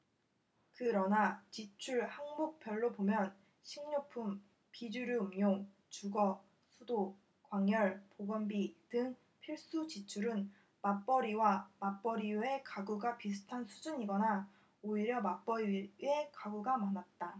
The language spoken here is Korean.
그러나 지출 항목별로 보면 식료품 비주류음료 주거 수도 광열 보건비 등 필수 지출은 맞벌이와 맞벌이 외 가구가 비슷한 수준이거나 오히려 맞벌이 외 가구가 많았다